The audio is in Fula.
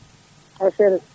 aɗa selli